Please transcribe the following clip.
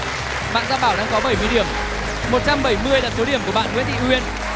bạn gia bảo đang có bảy mươi điểm một trăm bảy mươi là số điểm của bạn nguyễn thị uyên